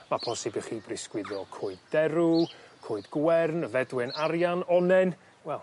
ma' posib i chi brysgwyddo coed derw coed gwern fedwen arian onnen wel